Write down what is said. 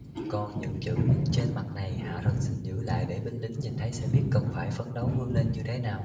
còn những chữ in trên mặt này hạ thần xin được giữ lại để binh lính nhìn thấy sẽ biết cần phải phấn đấu vươn lên như thế nào